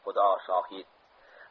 xudo shohid